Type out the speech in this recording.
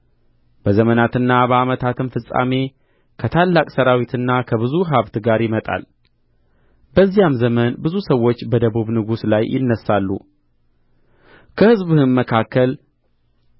በዘመናትና በዓመታትም ፍጻሜ ከታላቅ ሠራዊትና ከብዙ ሀብት ጋር ይመጣል በዚያም ዘመን ብዙ ሰዎች በደቡብ ንጉሥ ላይ ይነሣሉ ከሕዝብህም መካከል